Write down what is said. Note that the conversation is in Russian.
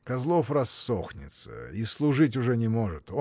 Козлов рассохнется и служить уже не может.